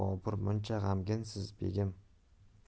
bobur muncha g'amginsiz begim